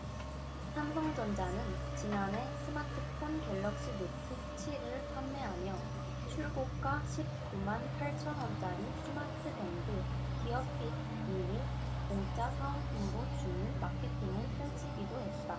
삼성전자는 지난해 스마트폰 갤럭시노트 칠 을 판매하며 출고가 십 구 만 팔천 원짜리 스마트밴드인 기어핏 이 를 공짜 사은품으로 주는 마케팅을 펼치기도 했다